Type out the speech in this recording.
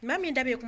Maa min da bɛ yen